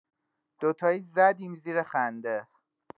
دوتایی زدیم زیر خنده